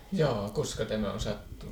jaa koska tämä on sattunut